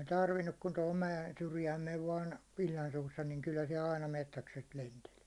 ei tarvinnut kuin tuohon mäen syrjään meni vain illan suussa niin kyllä siellä aina metsäkset lenteli